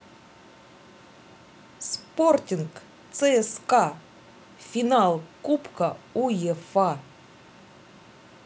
спортинг цска финал кубка уефа